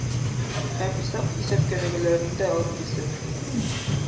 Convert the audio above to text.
Һәм: «исәп-хисап кенәгәләрен дә алып килсен»,